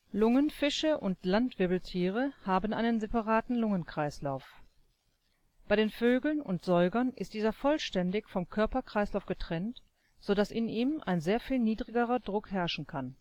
Lungenfische und Landwirbeltiere haben einen separaten Lungenkreislauf. Bei den Vögeln und Säugern ist dieser vollständig vom Körperkreislauf getrennt, so dass in ihm ein sehr viel niedrigerer Druck herrschen kann